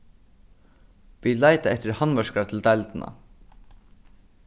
vit leita eftir handverkara til deildina